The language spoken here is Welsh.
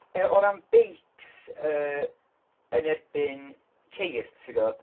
E- o ran beics yy yn erbyn ceir timod...